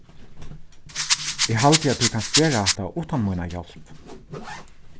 eg haldi at tú kanst gera hatta uttan mína hjálp